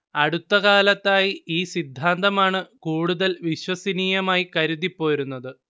അടുത്ത കാലത്തായി ഈ സിദ്ധാന്തമാണ് കൂടുതൽ വിശ്വസനീയമായി കരുതിപ്പോരുന്നത്